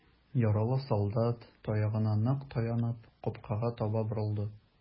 Яралы солдат, таягына нык таянып, капкага таба борылды.